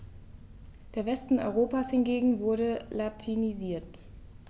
Der Westen Europas hingegen wurde latinisiert.